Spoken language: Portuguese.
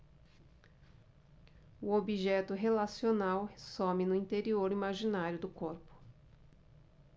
o objeto relacional some no interior imaginário do corpo